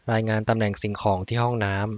รายงานตำแหน่งสิ่งของที่ห้องน้ำ